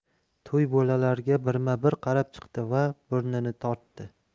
toy bolalarga birma bir qarab chiqdi da burnini tortdi